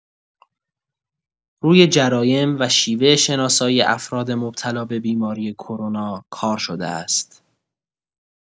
روی جرایم و شیوه شناسایی افراد مبتلا به بیماری کرونا کار شده است.